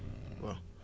waa